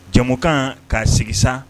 Jamukan k'a sigisan